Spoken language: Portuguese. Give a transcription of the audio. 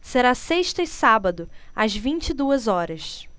será sexta e sábado às vinte e duas horas